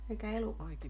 eikä elukoita